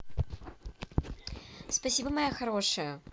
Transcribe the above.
спасибо моя хорошая